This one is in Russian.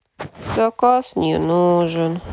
заказ не нужен